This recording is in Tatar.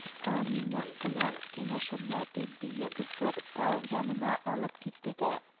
Минем белән киңәшергә, — дип, биек бер тау янына алып китте, дә